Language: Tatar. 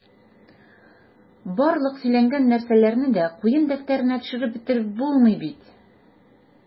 Барлык сөйләнгән нәрсәләрне дә куен дәфтәренә төшереп бетереп булмый бит...